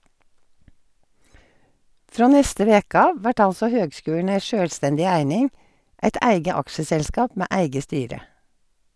Frå neste veke av vert altså høgskulen ei sjølvstendig eining, eit eige aksjeselskap med eige styre.